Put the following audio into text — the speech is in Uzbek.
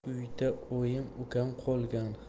uyda oyim ukam qolgan